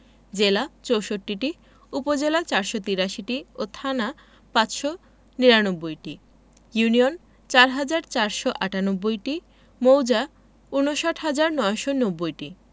জেলা ৬৪টি উপজেলা ৪৮৩টি ও থানা ৫৯৯টি ইউনিয়ন ৪হাজার ৪৯৮টি মৌজা ৫৯হাজার ৯৯০টি